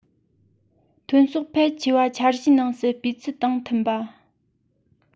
ཐོན ཟོག ཕལ ཆེ བ འཆར གཞིའི ནང གསལ སྤུས ཚད དང མཐུན པ